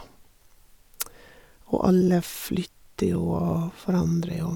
Og alle flytter jo og forandrer jo...